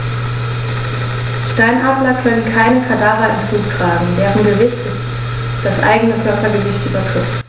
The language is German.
Steinadler können keine Kadaver im Flug tragen, deren Gewicht das eigene Körpergewicht übertrifft.